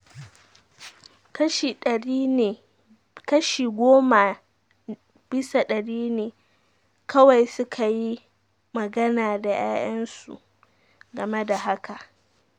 Kashi 10 bisa dari ne kawai sukayi magana da yayan su game da haka.